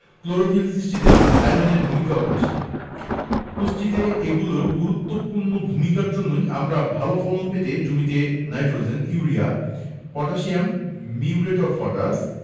chlorophyll সৃষ্টিতেও আয়রনের ভূমিকা অপরিসীম পুষ্টিতে এগুলোর গুরুত্বপূর্ণ ভূমিকার জন্যই আমরা ভালো ফলন পেতে জমিতে nitrogen urea potassium muriate of potash